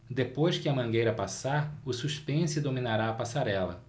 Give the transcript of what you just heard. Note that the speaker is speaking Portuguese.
depois que a mangueira passar o suspense dominará a passarela